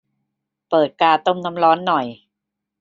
เปิดกาต้มน้ำร้อนหน่อย